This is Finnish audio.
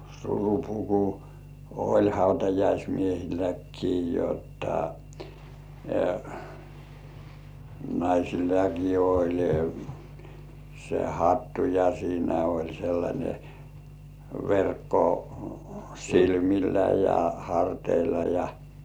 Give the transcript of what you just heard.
surupuku oli hautajaismiehilläkin jotta naisillakin oli se hattu ja siinä oli sellainen verkko silmillä ja harteilla ja